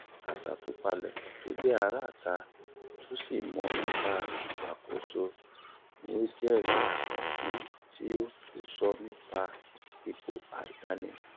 Aṣàtúpalẹ̀ tó jẹ́ aráàta tó sì mọ̀ nípa ìsàkóso ní ó jẹ́rìí àkáǹtì tí ó tun sọ nípa ipò àìdánimọ.